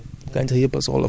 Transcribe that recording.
yooyu gàncax yépp